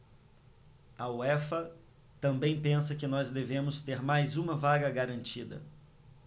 a uefa também pensa que nós devemos ter mais uma vaga garantida